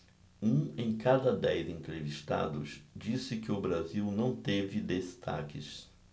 um em cada dez entrevistados disse que o brasil não teve destaques